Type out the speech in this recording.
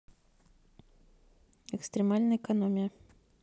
экстремальная экономия